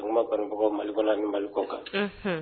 Ban mali kɔnɔ ni mali kɔnɔkan